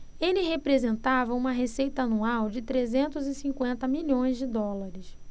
ele representava uma receita anual de trezentos e cinquenta milhões de dólares